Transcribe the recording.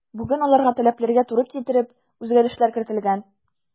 Бүген аларга таләпләргә туры китереп үзгәрешләр кертелгән.